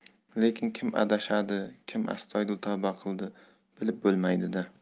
lekin kim adashdi kim astoydil tavba qildi bilib bo'lmaydi da